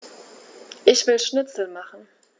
Ich will Schnitzel machen.